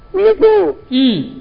Un kun un